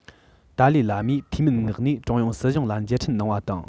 ཏཱ ལའི བླ མས འཐུས མི མངགས ནས ཀྲུང དབྱང སྲིད གཞུང ལ མཇལ འཕྲད གནང བ དང